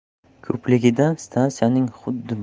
ko'pligidan stansiyaning xuddi